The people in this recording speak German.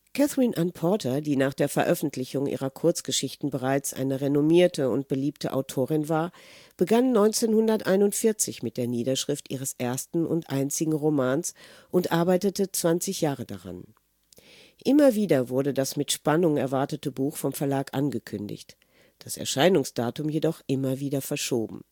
Katherine Anne Porter, die nach der Veröffentlichung ihrer Kurzgeschichten bereits eine renommierte und beliebte Autorin war, begann 1941 mit der Niederschrift ihres ersten und einzigen Romans und arbeitete zwanzig Jahre daran. Immer wieder wurde das mit Spannung erwartete Buch vom Verlag angekündigt, das Erscheinungsdatum jedoch immer wieder verschoben